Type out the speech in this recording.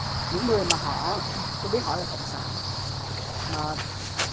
những người mà họ tôi biết họ là cộng sản mà